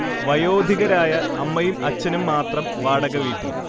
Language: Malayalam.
വയോധികരായ അമ്മയും അച്ഛനും മാത്രം വാടക വീട്ടിൽ